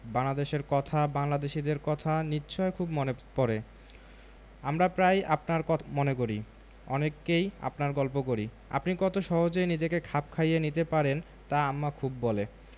বাংলাদেশের কথা বাংলাদেশীদের কথা নিশ্চয় খুব মনে পরে আমরা প্রায়ই আপনারর কথা মনে করি অনেককেই আপনার গল্প করি আপনি কত সহজে নিজেকে খাপ খাইয়ে নিতে পারেন তা আম্মা খুব বলে